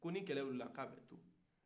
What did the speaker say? ko nin kɛlɛ wulila k'a bɛ to